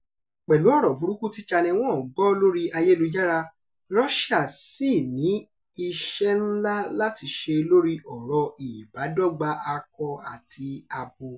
Pẹ̀lú ọ̀rọ̀ burúkú tí Channel One gbọ́ lórí ayélujára, Russia sì ní iṣẹ́ ńlá láti ṣe lórí ọ̀rọ̀ ìbádọ́gbà akọ àti abo.